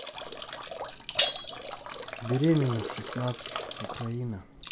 беременна в шестнадцать украина